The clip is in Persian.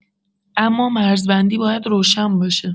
اما مرزبندی باید روشن باشد